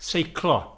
Seiclo.